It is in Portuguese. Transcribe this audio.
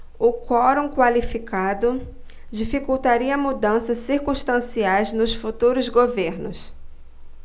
o quorum qualificado dificultaria mudanças circunstanciais nos futuros governos